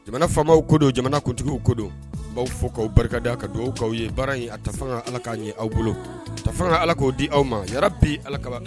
Jamana faw ko don jamanakuntigi ko don b' fɔ'aw barika ka dugawu'aw ye baara ye a fanga ala k'a ɲɛ aw bolo ka fanga ka ala k'o di aw ma yɛrɛ bi ala kaba